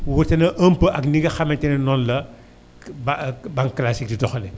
wute na un peu ak li nga xamante ne noonu la ba banque classique yi di doxalee